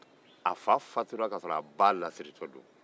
a fa fatura k'a sɔrɔ a ba lasiritɔ don